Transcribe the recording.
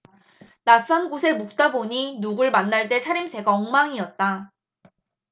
낯선 곳에 묵다 보니 누굴 만날 때 차림새가 엉망이었다